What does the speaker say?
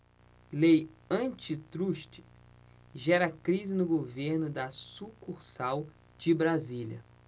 lei antitruste gera crise no governo da sucursal de brasília